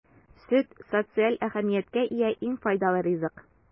Сөт - социаль әһәмияткә ия иң файдалы ризык.